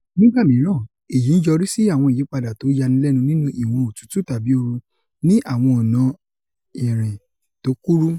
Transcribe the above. Nígbà mìíràn èyí ńyọrísí àwọn ìyípadà tó yanilẹ́nu nínú ìwọ̀n otútù tàbí ooru ní àwọn ọ̀nà ìrìn tó kúrú.